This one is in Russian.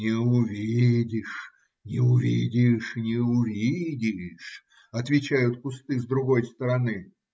"Не увидишь, не увидишь, не увидишь!" - отвечают кусты с другой стороны.